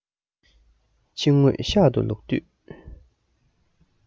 ཕྱིར སྡོད ཤག ཏུ ལོག དུས